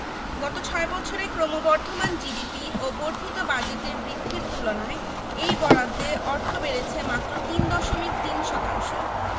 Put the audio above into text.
গত ছয় বছরে ক্রমবর্ধমান জিডিপি ও বর্ধিত বাজেটের বৃদ্ধির তুলনায় এই বরাদ্দে অর্থ বেড়েছে মাত্র তিন দশমিক তিন শতাংশ